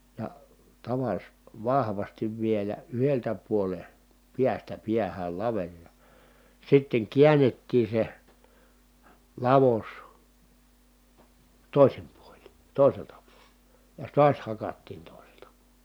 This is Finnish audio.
ja - vahvasti vielä yhdeltä puolen päästä päähän laveri ja sitten käännettiin se lavos toisin puolin toiselta puolen ja taas hakattiin toiselta -